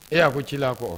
Ee y'a fɔ ci la kɔ